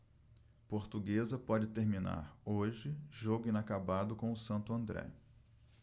portuguesa pode terminar hoje jogo inacabado com o santo andré